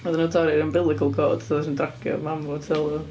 Oedden nhw'n torri'r umbilical cord? So oedd o jyst yn dragio mam fo tu ôl iddo fo?